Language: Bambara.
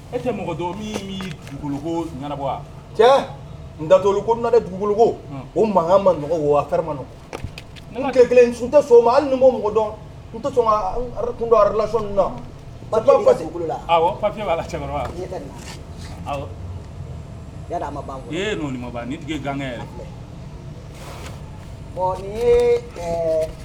E dugubɔ cɛ dato ko dugu o makan ma nɔgɔma n kelen sunjata tɛma ali ko mɔgɔdɔn tɛt donlatila fafin b ala cɛ ya ma banma garan yɛrɛ filɛ